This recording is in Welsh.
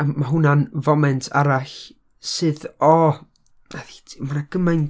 A ma' hwnna'n foment arall sydd, o, wnaeth hiti- Ma' 'na gymaint.